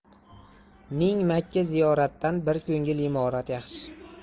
ming makka ziyoratdan bir ko'ngil imorat yaxshi